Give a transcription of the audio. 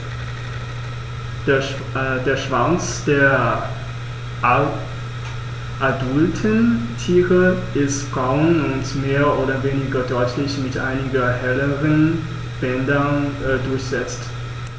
Der Schwanz der adulten Tiere ist braun und mehr oder weniger deutlich mit einigen helleren Bändern durchsetzt.